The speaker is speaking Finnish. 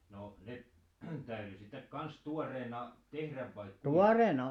no ne täytyi sitten kanssa tuoreena tehdä vai kuinka